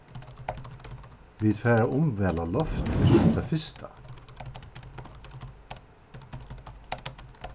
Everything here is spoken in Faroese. vit fara at umvæla loftið sum tað fyrsta